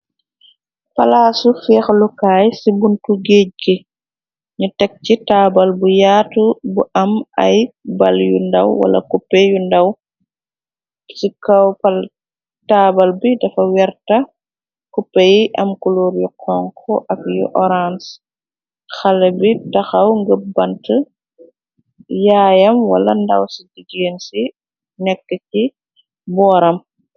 Palaasu fiixlukaay ci buntu géej gi, ñu teg ci taabal bu yaatu, bu am ay bal yu ndaw wala kupe yu ndaw, wtaabal bi dafa werta, kuppe yi am kuloor yu konko, ak yu oranc, xale bi taxaw ngëb bant, yaayam wala ndaw ci digeen ci nekk ci booram.